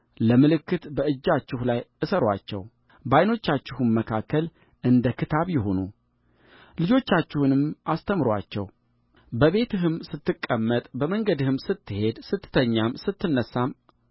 ለምልክት በእጃችሁ ላይ እሰሩአቸው በዓይኖቻችሁም መካከል እንደክታብ ይሁኑልጆቻችሁንም አስተምሩአቸው በቤትህም ስትቀመጥ በመንገድም ስትሄድ ስትተኛም ስትነሣም